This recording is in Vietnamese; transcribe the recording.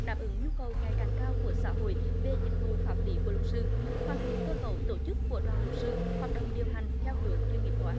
đáp ứng nhu cầu ngày càng cao của xã hội về dịch vụ pháp lý của luật sư hoàn thiện cơ cấu tổ chức của đoàn luật sư hoạt động điều hành theo hướng chuyên nghiệp hóa